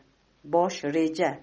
bosh reja